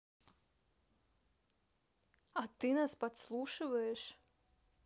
а ты нас подслушиваешь